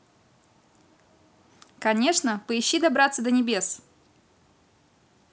конечно поищи добраться до небес